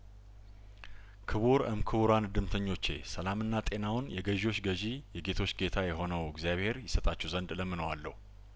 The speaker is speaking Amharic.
ክቡር እም ክቡራን እድምተኞቼ ሰላምና ጤናውን የገዢዎች ገዢ የጌቶች ጌታ የሆነው እግዚአብሄር ይሰጣችሁ ዘንድ እለምነዋለሁ